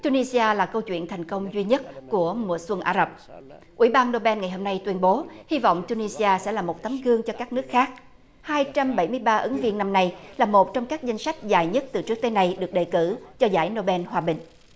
tu ni si a là câu chuyện thành công duy nhất của mùa xuân ả rập ủy ban nô ben ngày hôm nay tuyên bố hy vọng tu ni si a sẽ là một tấm gương cho các nước khác hai trăm bảy mươi ba ứng viên năm nay là một trong các danh sách dài nhất từ trước tới nay được đề cử cho giải nô ben hòa bình